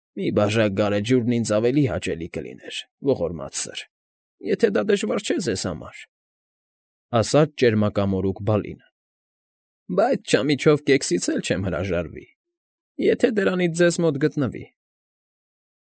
Մի բաժակ գարեջուրն ինձ ավելի հաճելի կլիներ, ողորմած սըր, եթե դա շատ դժվար չէ ձեզ համար, ֊ ասաց ճերմակամորուք Բալինը։ ֊ Բայց չամիչով կեքսից էլ չեմ հրաժարվի, եթե դրանից ձեզ մոտ գտնվի։ ֊